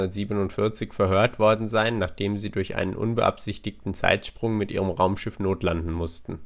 1947 verhört worden sein, nachdem sie durch einen unbeabsichtigten Zeitsprung mit ihrem Raumschiff notlanden mussten